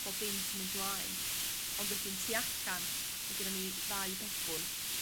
pob dim sy'n mynd mlaen ond wedyn tu allan ma' gennon ni ddau begwn